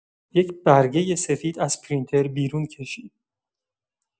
یک برگه سفید از پرینتر بیرون کشید.